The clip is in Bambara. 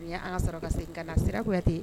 N y' ka sɔrɔ ka se ka na sira kuyate